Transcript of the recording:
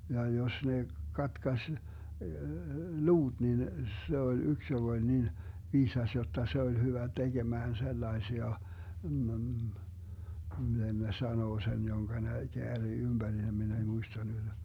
ja jos ne katkaisi luut niin se oli yksi joka oli niin viisas jotta se oli hyvä tekemään sellaisia -- miten ne sanoo sen jonka ne käärii ympärille minä ei muista nyt